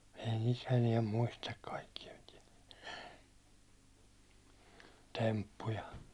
ei niitä enää muista kaikkia - temppuja